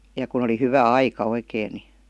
ja kun oli hyvä aika oikein niin